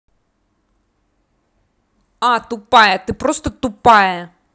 a тупая ты просто тупая